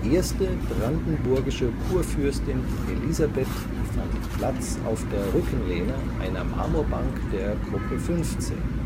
erste brandenburgische Kurfürstin Elisabeth fand Platz auf der Rückenlehne einer Marmorbank der Gruppe 15 –